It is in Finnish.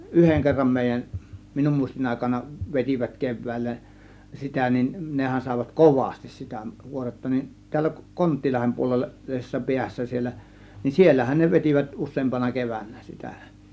yhden kerran meidän minun muistin aikana vetivät keväällä sitä niin nehän saivat kovasti sitä kuoretta niin täällä - Konttilahden puolella puolisessa päässä siellä niin siellähän ne vetivät useampana keväänä sitä